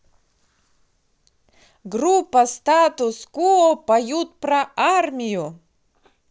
группа status quo поют про армию